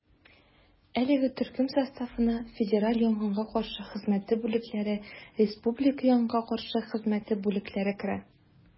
Әлеге төркем составына федераль янгынга каршы хезмәте бүлекләре, республика янгынга каршы хезмәте бүлекләре керә.